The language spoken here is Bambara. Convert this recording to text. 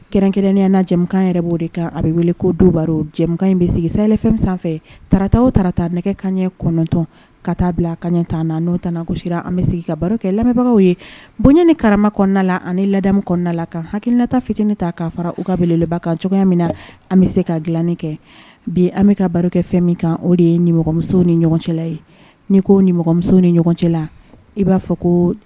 Kɛrɛnkɛrɛnyakan yɛrɛ de kan a bɛ wele ko du baro in bɛfɛn sanfɛ tata taarata nɛgɛ kaɲɛ kɔnɔntɔn ka taa bila ka ta na n'o tagosi an bɛ sigi ka baro kɛ lamɛnbagaw ye bonya ni karama kɔnɔna la ani ladamu kɔnɔna la kan halata fitinin ta k'a fara u kabeleba kan cogoya min na an bɛ se ka dilanni kɛ bi an bɛka ka baro kɛ fɛn min kan o de ye nimɔgɔmuso ni ɲɔgɔn cɛla ye n'i ko nimuso ni ɲɔgɔn cɛ la i b'a fɔ ko